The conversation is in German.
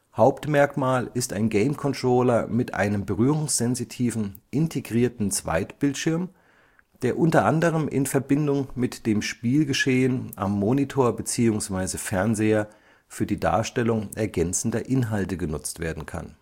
Hauptmerkmal ist ein Gamecontroller mit einem berührungssensitiven, integrierten Zweitbildschirm, der u. a. in Verbindung mit dem Spielgeschehen am Monitor/Fernseher für die Darstellung ergänzender Inhalte genutzt werden kann